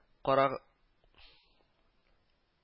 Кара